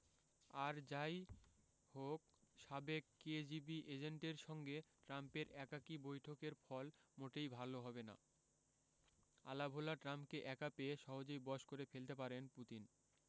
আর যা ই হোক সাবেক কেজিবি এজেন্টের সঙ্গে ট্রাম্পের একাকী বৈঠকের ফল মোটেই ভালো হবে না আলাভোলা ট্রাম্পকে একা পেয়ে সহজেই বশ করে ফেলতে পারেন পুতিন